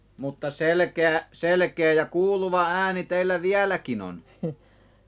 mutta selkeä selkeä ja kuuluva ääni teillä vieläkin on